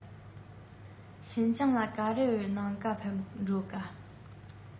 ཤིན ཅང ལ ག རེ གནང ག ཕེབས འགྲོ ག ཀ